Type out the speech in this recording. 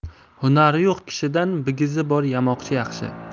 hunari yo'q kishidan bigizi bor yamoqchi yaxshi